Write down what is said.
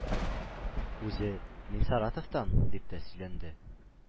Үзе: “Мин Саратовтан”, – дип тә сөйләнде.